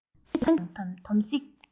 རི ཁྲོད དུ སྤྱང ཀི དང དོམ གཟིག